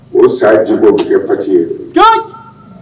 O saya ji dɔ bɛ kɛ pati ye